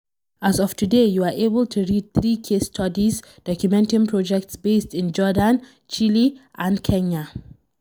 As of today you are able to read three case studies documenting projects based in Jordan, Chile, and Kenya.